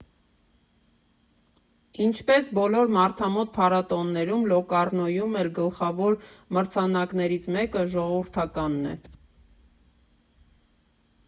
Ինչպես բոլոր մարդամոտ փառատոներում, Լոկառնոյում էլ գլխավոր մրցանակներից մեկը ժողովրդականն է։